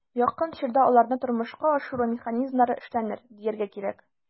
Якын чорда аларны тормышка ашыру механизмнары эшләнер, дияргә кирәк.